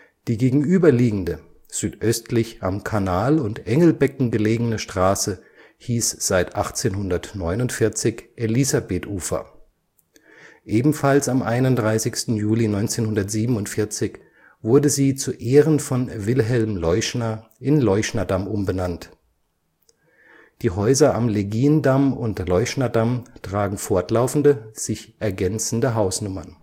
Die gegenüberliegende, südöstlich am Kanal und Engelbecken gelegene Straße hieß seit 1849 Elisabethufer. Ebenfalls am 31. Juli 1947 wurde sie zu Ehren von Wilhelm Leuschner in Leuschnerdamm umbenannt. Die Häuser am Legiendamm und Leuschnerdamm tragen fortlaufende, sich ergänzende Hausnummern